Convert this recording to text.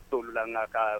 Sabulal ka taa